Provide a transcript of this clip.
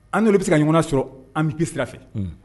An olu bɛ se ka ɲɔgɔn sɔrɔ an bi ki sira fɛ